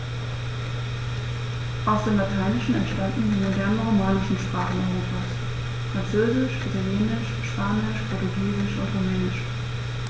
Aus dem Lateinischen entstanden die modernen „romanischen“ Sprachen Europas: Französisch, Italienisch, Spanisch, Portugiesisch und Rumänisch.